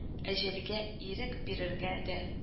Әҗәлгә ирек бирергә дә